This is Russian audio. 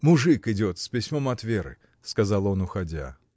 — Мужик идет с письмом от Веры! — сказал он, уходя.